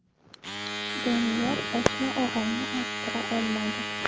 doniyor oshna og'ayni orttira olmadi